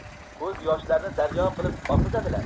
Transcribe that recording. ko'zyoshlarni daryo qilib oqizadilar